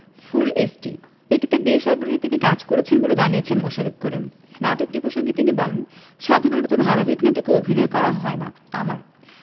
ফুল HD এটিতে বেশ আগ্রহ নিয়ে কাজ করছেন বলে জানিয়েছেন মোশাররফ করিম নাটকটি প্রসঙ্গে তিনি বলেন সাধারণত ধারাবাহিক নাটকে অভিনয় করা হয় না আমার